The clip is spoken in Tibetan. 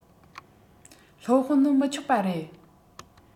སློབ དཔོན ནི མི ཆོག པ རེད